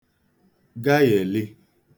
gaghèli